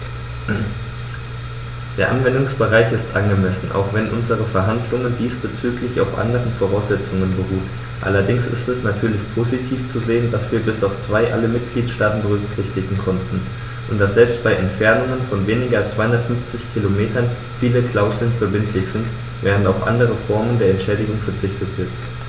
Der Anwendungsbereich ist angemessen, auch wenn unsere Verhandlungen diesbezüglich auf anderen Voraussetzungen beruhten, allerdings ist es natürlich positiv zu sehen, dass wir bis auf zwei alle Mitgliedstaaten berücksichtigen konnten, und dass selbst bei Entfernungen von weniger als 250 km viele Klauseln verbindlich sind, während auf andere Formen der Entschädigung verzichtet wird.